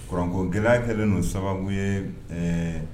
Kko gɛlɛya kɛlen ni sababu ye ɛɛ